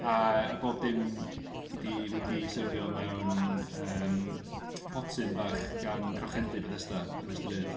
A a bob dim wedi wedi serfio mewn yym potyn bach gan Crochendy Bethesda yn y stryd.